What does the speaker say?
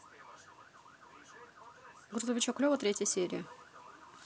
грузовичок лева третья серия